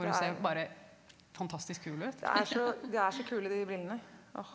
det er jo det er så de er så kule de brillene, å.